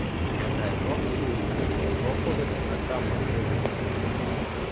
tá tað er gott sýni kunnu tokulyktirnar framman brúkast